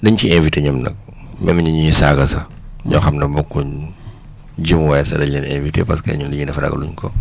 nañ ci invité ñëpp nag même ñi ñuy saaga sax ñoo xam ne bokkuñ jëmuwaay sax dañ leen invité parce que ñun li ñuy def ragaluñ ko